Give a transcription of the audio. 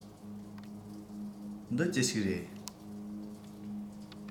འདི ཅི ཞིག རེད